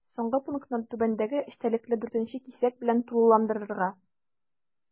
Соңгы пунктны түбәндәге эчтәлекле 4 нче кисәк белән тулыландырырга.